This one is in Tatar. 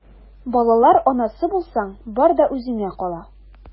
Балалар анасы булсаң, бар да үзеңә кала...